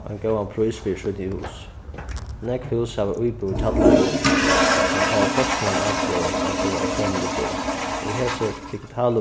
ein góðan prís fyri hús nógv hús hava íbúð í kjallaranum men tað er kortini ein avbjóðing at fáa sømilig boð í hesi digitalu